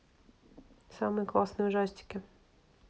самые классные ужастики